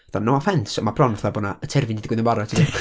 Fatha no offense, ond ma' bron fatha bo 'na, y terfyn 'di digwydd yn barod.